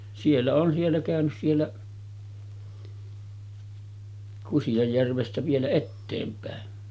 siellä olen siellä käynyt siellä Kusianjärvestä vielä eteenpäin